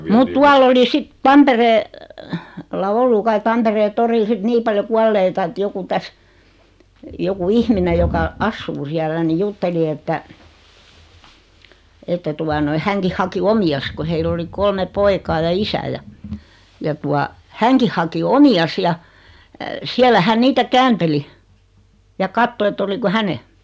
mutta tuolla oli sitten - Tampereella ollut kai Tampereen torilla sitten niin paljon kuolleita että joku tässä joku ihminen joka asuu siellä niin jutteli että että tuota noin hänkin haki omiansa kun heillä oli kolme poikaa ja isä ja ja tuota hänkin haki omiansa ja siellä hän niitä käänteli ja katsoi että oliko hänen